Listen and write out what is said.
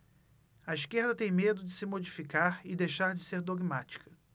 a esquerda tem medo de se modificar e deixar de ser dogmática